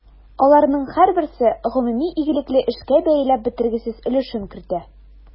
Аларның һәрберсе гомуми игелекле эшкә бәяләп бетергесез өлешен кертә.